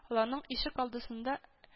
Аларның ишек алдысында